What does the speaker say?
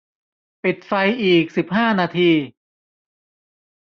ปิดไฟอีกสิบห้านาที